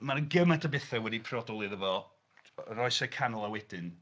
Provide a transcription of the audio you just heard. ..mae 'na gymaint o bethau wedi priodoli iddo fo o'r Oesau Canol a wedyn..